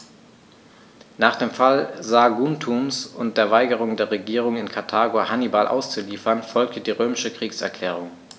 Nach dem Fall Saguntums und der Weigerung der Regierung in Karthago, Hannibal auszuliefern, folgte die römische Kriegserklärung.